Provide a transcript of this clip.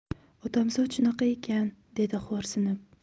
odamzod shunaqa ekan dedi xo'rsinib